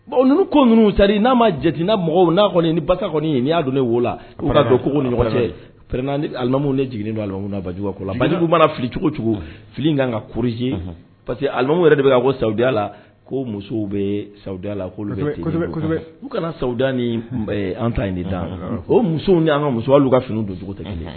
Bon ninnu ko sa n'a ma jateina mɔgɔ'a kɔni ba kɔni n y'a ne wolo laa don ko nimu ne jigin don lajugu la bajugu b'a fili cogo cogo fili' ka kurusi parce quemu yɛrɛ de bɛ ko sadiya la ko musow bɛ sada la u kanada ni an ta de da o musow y'an ka muso' ka fini don tɛ